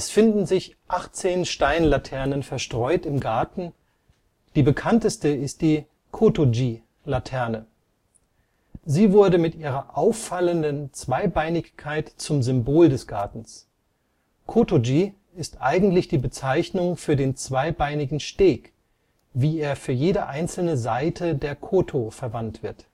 finden sich 18 Steinlaternen verstreut im Garten, die bekannteste ist die " Kotoji-Laterne ". Sie wurde mit ihrer auffallenden Zweibeinigkeit zum Symbol des Gartens. Kotoji ist eigentlich die Bezeichnung für den zweibeinigen Steg, wie er für jede einzelne Saite der Koto verwandt wird